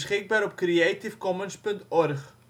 5° 26 ' OL